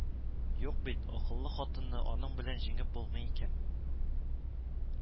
Юк бит, акыллы хатынны аның белән җиңеп булмый икән